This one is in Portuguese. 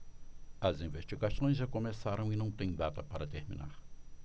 as investigações já começaram e não têm data para terminar